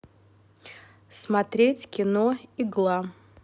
смотреть кино игла